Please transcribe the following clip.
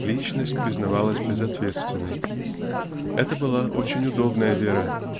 -- личность признавалась безответственной. Это была очень удобная вера